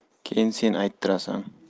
keyin sen ayttirasan